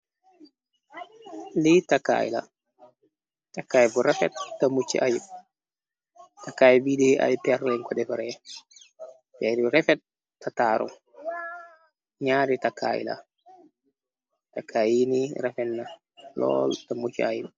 Li takaila takay bu refet tamuciaib takaybide ay per lenko de vre peru refet tataro ñyari takaila takaini refenna lol tamucaib.